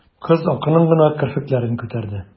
Кыз акрын гына керфекләрен күтәрде.